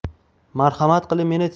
marhamat qilib meni